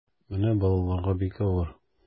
Менә балаларга бик авыр.